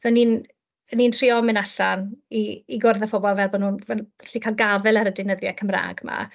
So 'y ni'n 'y ni'n trio mynd allan i i gwrdd â phobl fel bod nhw'n fel gallu cael gafael ar y deunyddiau Cymraeg 'ma.